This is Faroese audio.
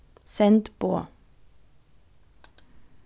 send boð